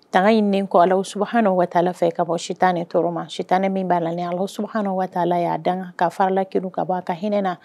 Tan inen kɔ ala suuna ka fɛ ka bɔ si tan ni tɔɔrɔɔrɔma sitan ne min b'a la ala suuna kala' a ka faralaki ka bɔ a ka hinɛ na